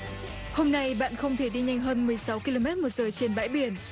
hôm nay bạn không thể đi nhanh hơn mười sáu ki lô mét một giờ trên bãi biển